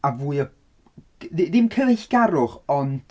A fwy o, g- dd- ddim cyfeillgarwch ond...